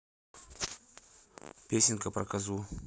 песенка про козу